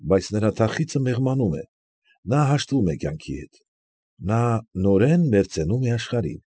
Բայց նրա թախիծը մեղմանում է։ Նա հաշտվում է կյանքի հետ, նա նորեն մերձենում է աշխարհին։